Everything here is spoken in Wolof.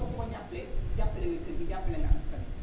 boo ko jàppalee jàppale nga kër gi jàppale nga askn wi